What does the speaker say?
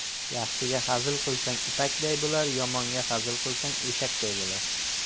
yaxshiga hazil qilsang ipakday bo'lar yomonga hazil qilsang eshakday bo'lar